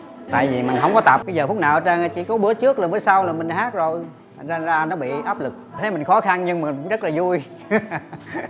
tại gì mình hông có tập cái giờ phút nào ở trên á chỉ có bữa trước là bữa sau là mình hát rồi thành ra ra nó bị áp lực thấy mình khó khăn nhưng mà cũng rất là dui hư hà hà